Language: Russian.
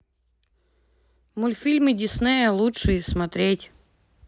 мультфильмы диснея лучшие смотреть